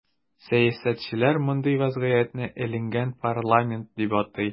Сәясәтчеләр мондый вазгыятне “эленгән парламент” дип атый.